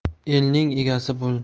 elning egasi bo'l